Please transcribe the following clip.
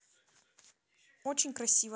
очень красиво